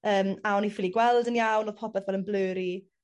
yym a o'n i ffili gweld yn iawn o'dd popeth fel yn blurry